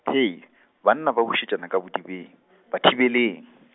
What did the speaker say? hei, banna ba wišetšana ka bodibeng, ba thibeleng.